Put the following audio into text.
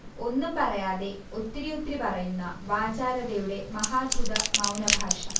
ഒന്നും പറയാതെ ഒത്തിരിയൊത്തിരി പറയുന്ന വാചാലതയുടെ മഹാദ്ഭുത മൗനഭാഷ